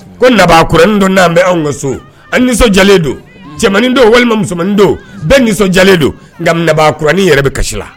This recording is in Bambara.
Ko nabaakuranin don n'an bɛ anw ka so an nisɔndiyalen don cɛman don walima musoman don bɛɛ nisɔndiyalen don nka nauranin yɛrɛ bɛ kasi la